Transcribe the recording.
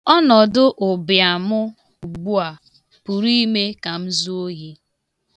Ọnọdụ ụbịam mụ ụgbụa pụrụ ime ka m zuo ohi.